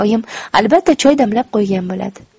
oyim albatta choy damlab qo'ygan bo'ladi